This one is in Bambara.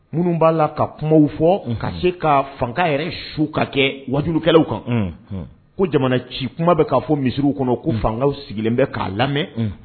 Minnu b'a la ka kumaw fɔ ka se ka fanga yɛrɛ su ka kɛ waju kɛlaw kan, unhun, ko jamana ci kuma bɛ ka fɔ misiriw kɔnɔ ko fanga sigilen bɛ k'a lamɛn